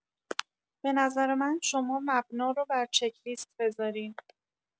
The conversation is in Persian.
به نظر من شما مبنا رو بر چک‌لیست بذارین